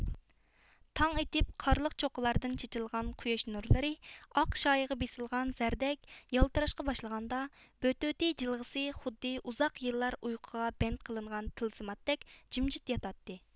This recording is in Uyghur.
تاڭ ئېتىپ قارلىق چوققىلاردىن چېچىلغان قۇياش نۇرلىرى ئاق شايىغا بېسىلغان زەردەك يالتىراشقا باشلىغاندا بۆتۆتى جىلغىسى خۇددى ئۇزاق يىللار ئۇيقۇغا بەند قىلىنغان تىلسىماتتەك جىمجىت ياتاتتى